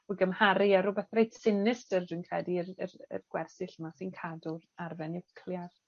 O gymharu a rwbeth reit sinistyr dwi'n credu yr yr y gwersyll 'ma sy'n cadw arfe niwclear.